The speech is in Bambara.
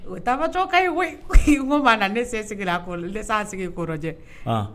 Tabatɔ ka ko ma na nese sigira kɔrɔ ne' sigi kɔrɔjɛ